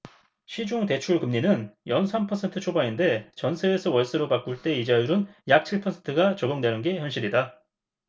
시중 대출금리는 연 삼 퍼센트 초반인데 전세에서 월세로 바꿀 때 이자율은 약 칠 퍼센트가 적용되는 게 현실이다